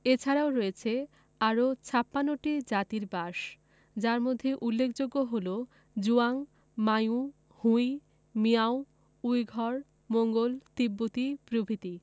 এছারাও রয়েছে আরও ৫৬ টি জাতির বাস যার মধ্যে উল্লেখযোগ্য হলো Zhuang Manchu Hui Miao Uyghur Mongol তিব্বতি প্রভৃতি